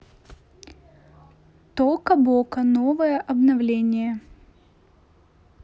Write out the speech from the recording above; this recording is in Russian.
тока бока новое обновление